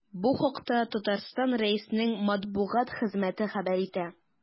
Бу хакта Татарстан Рәисенең матбугат хезмәте хәбәр итә.